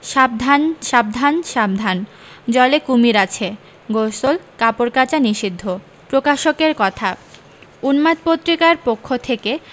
সাবধান সাবধান সাবধান জলে কুমীর আছে গোসল কাপড় কাচা নিষিদ্ধ প্রকাশকের কথা উন্মাদ পত্রিকার পক্ষ থেকে